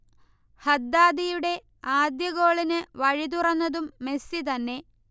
ഹദ്ദാദിയുടെ ആദ്യ ഗോളിന് വഴി തുറന്നതും മെസ്സി തന്നെ